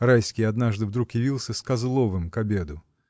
Райский однажды вдруг явился с Козловым к обеду.